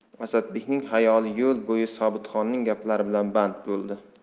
asadbekning xayoli yo'l bo'yi sobitxonning gaplari bilan band bo'ldi